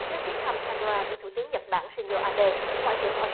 trước chuyến thăm cem me ra của thủ tướng nhật bản sin dô a bê ngoại trưởng ở